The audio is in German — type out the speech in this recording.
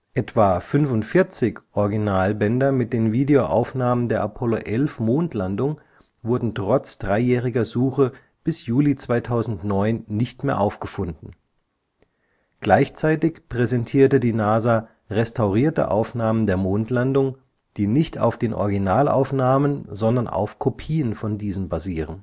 Etwa 45 Originalbänder mit den Video-Aufnahmen der Apollo-11-Mondlandung wurden trotz dreijähriger Suche bis Juli 2009 nicht mehr aufgefunden. Gleichzeitig präsentierte die NASA restaurierte Aufnahmen der Mondlandung, die nicht auf den Originalaufnahmen, sondern auf Kopien von diesen basieren